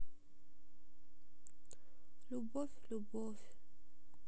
любовь любовь